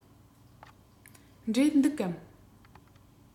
འབྲས འདུག གམ